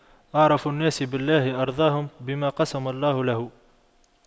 أعرف الناس بالله أرضاهم بما قسم الله له